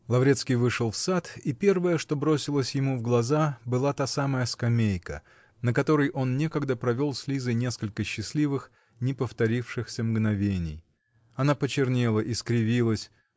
Лаврецкий вышел в сад, и первое, что бросилось ему в глаза, -- была та самая скамейка, на которой он некогда провел с Лизой несколько счастливых, не повторившихся мгновений она почернела, искривилась